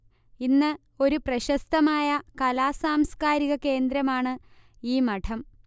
ഇന്ന് ഒരു പ്രശസ്തമായ കലാ സാംസ്കാരിക കേന്ദ്രമാണ് ഈ മഠം